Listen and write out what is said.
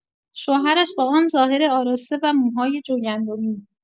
شوهرش با آن ظاهر آراسته و موهای جو گندمی